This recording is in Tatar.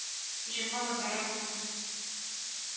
Җомга мөбарәк булсын